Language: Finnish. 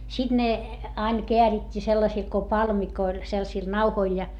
sitten ne aina käärittiin sellaisille kuin palmikoille sellaisille nauhoille ja